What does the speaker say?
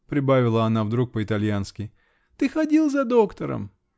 -- прибавила она вдруг по-итальянски. -- Ты ходил за доктором?